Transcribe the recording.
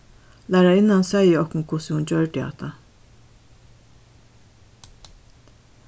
lærarinnan segði okkum hvussu hon gjørdi hatta